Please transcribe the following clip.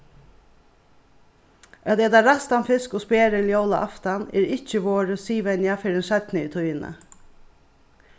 at eta ræstan fisk og sperðil jólaaftan er ikki vorðið siðvenja fyrr enn seinni í tíðini